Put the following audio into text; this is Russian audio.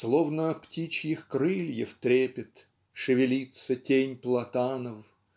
Словно птичьих крыльев трепет Шевелится тень платанов